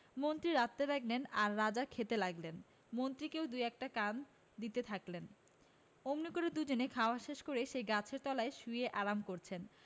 মন্ত্রী রাঁধতে লাগলেন আর রাজা খেতে লাগলেন মন্ত্রীকেও দু একটা দিতে থাকলেন এমনি করে দুজনে খাওয়া শেষ করে সেই গাছের তলায় শুয়ে আরাম করছেন